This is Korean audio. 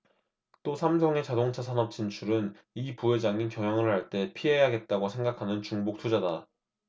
또 삼성의 자동차 산업 진출은 이 부회장이 경영을 할 때 피해야겠다고 생각하는 중복 투자다